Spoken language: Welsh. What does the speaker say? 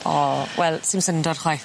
O wel sim syndod chwaith.